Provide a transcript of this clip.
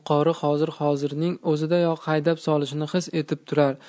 qori hozir hozirning o'zidayoq haydab solishini his etib turar